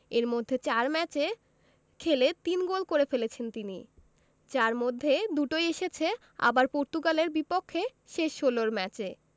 এর মধ্যে ৪ ম্যাচে খেলে ৩ গোল করে ফেলেছেন তিনি যার মধ্যে দুটোই এসেছে আবার পর্তুগালের বিপক্ষে শেষ ষোলোর ম্যাচে